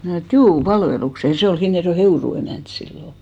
minä sanoin että juu palvelukseen ja se oli Hinnerjoen Heurun emäntä silloin